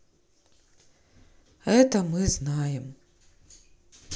это мы знаем